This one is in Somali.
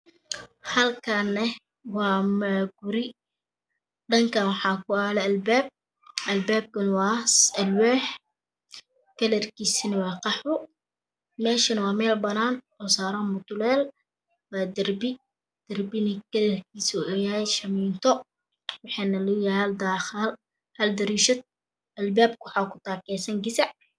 Halkan waa qol albabkis waa alwax kalar kisi waa qahwi mesh waa mel banan ah oo mutulel saran